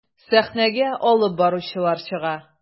Сәхнәгә алып баручылар чыга.